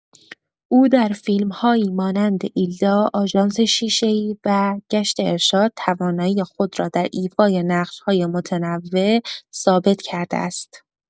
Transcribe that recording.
او در فیلم‌هایی مانند ایل‌دا، آژانس شیشه‌ای و گشت ارشاد توانایی خود را در ایفای نقش‌های متنوع ثابت کرده است.